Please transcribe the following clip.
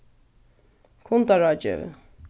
kundaráðgevi